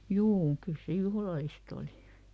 juu kyllä se juhlallista oli